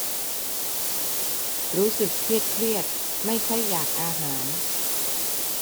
รู้สึกเครียดเครียดไม่ค่อยอยากอาหาร